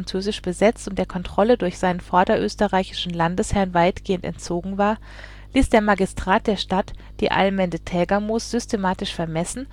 besetzt und der Kontrolle durch seinen vorderösterreichischen Landesherrn weitgehend entzogen war, liess der Magistrat der Stadt die Allmende Tägermoos systematisch vermessen